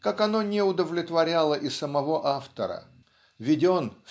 как оно не удовлетворяло и самого автора. Ведь он